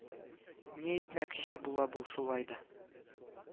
Ни әйтмәкче була бу шулай да